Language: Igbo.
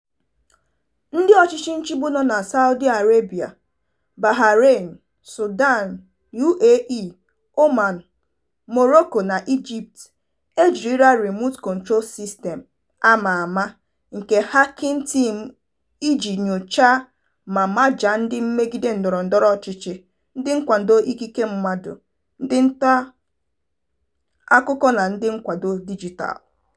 Ndị ọchịchị nchịgbu nọ na Saudi Arabia, Bahrain, Sudan, UAE, Oman, Morocco na Egypt ejirila “Remote Control System” a ma ama nke Hacking Team iji nyochaa ma majaa ndị mmegide ndọrọndọrọ ọchịchị, ndị nkwado ikike mmadụ, ndị ntaakụkọ na ndị nkwado dijitaalụ.